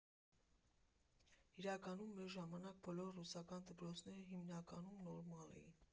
Իրականում՝ մեր ժամանակ, բոլոր ռուսական դպրոցները, հիմնականում, նորմալ էին։